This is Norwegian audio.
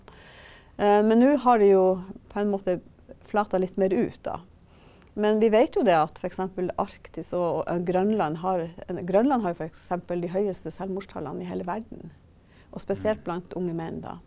men nå har vi jo på en måte flata litt mere ut da, men vi veit jo det at f.eks. Arktis og Grønland har en Grønland har jo f.eks. de høyeste selvmordstalla i hele verden, og spesielt blant unge menn da.